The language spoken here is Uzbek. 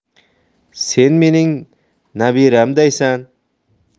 sen mening nabiramdaysan